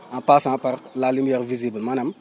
en passant par la lumière visible maanaam